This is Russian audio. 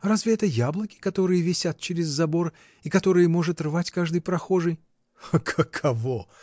Разве это яблоки, которые висят через забор и которые может рвать каждый прохожий? — Каково!